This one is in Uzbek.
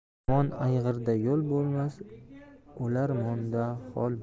yomon ayg'irda yol bo'lmas o'larmonda hoi bo'lmas